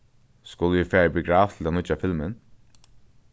skulu vit fara í biograf til tann nýggja filmin